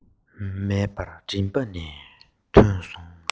མེད པར མགྲིན པ ནས ཐོན སོང